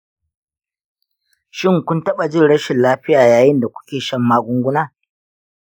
shin, kun taɓa jin rashin lafiya yayin da kuke shan magunguna?